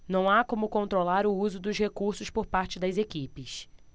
não há como controlar o uso dos recursos por parte das equipes